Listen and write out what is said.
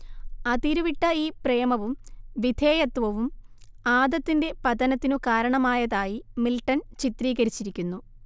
അതിരുവിട്ട ഈ പ്രേമവും വിധേയത്വവും ആദത്തിന്റെ പതനത്തിനു കാരണമായതായി മിൽട്ടൺ ചിത്രീകരിച്ചിരിക്കുന്നു